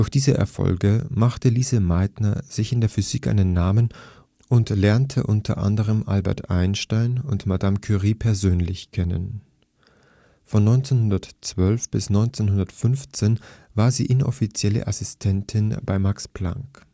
diese Erfolge machte Lise Meitner sich in der Physik einen Namen und lernte unter anderem Albert Einstein und Marie Curie persönlich kennen. Von 1912 bis 1915 war sie inoffizielle Assistentin bei Max Planck